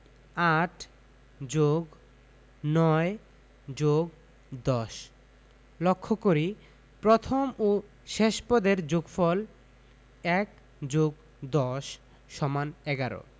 ৮+৯+১০ লক্ষ করি প্রথম ও শেষ পদের যোগফল ১+১০=১১